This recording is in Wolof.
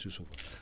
soosu